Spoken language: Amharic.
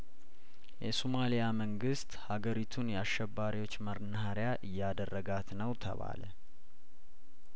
የሱማሊያ መንግስት ሀገሪቱን የአሸባሪዎች መርናኸሪያ እያደረጋት ነው ተባለ